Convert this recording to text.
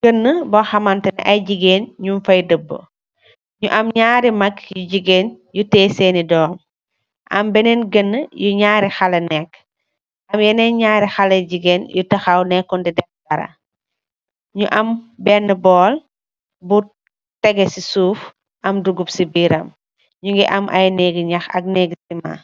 genna bu hamanteneh ay jigeen nyun fay domba nyu am naari maag yu jigeen yu tiyeh seni dom am benen Kenna yu naari xale neka am yenen naari xalex yu jigeen yu tahaw nekun def dara mo am bena bowl bu tege si suuf am dugom si birram nyugi am ay neegi nhaax ak neegi cemann.